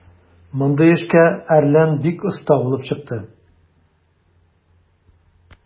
Мондый эшкә "Әрлән" бик оста булып чыкты.